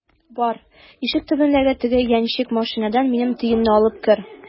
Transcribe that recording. Бар, ишек төбендәге теге яньчек машинадан минем төенне алып кер!